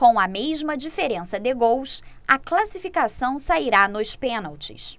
com a mesma diferença de gols a classificação sairá nos pênaltis